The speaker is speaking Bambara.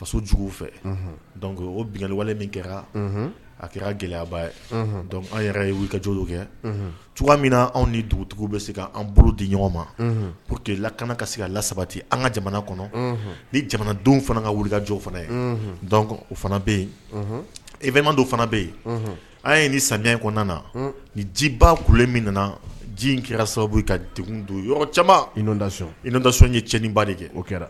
Fasojugu fɛ o biliwale min kɛra a kɛra gɛlɛyaba ye an yɛrɛ ye wulikaj kɛ tu min na anw ni dugutigi bɛ se k'an bolo di ɲɔgɔn ma p quela kana ka se a la sabati an ka jamana kɔnɔ ni jamanadenw fana ka wulikajɔ fana o fana bɛ yen i bɛdo fana bɛ yen an ye ni san kɔnɔna na ni jiba ku min nana ji in kɛra sababu ka don yɔrɔ camandac ye cɛinba de ye o kɛra